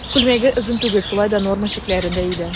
Күлмәге озын түгел, шулай да норма чикләрендә иде.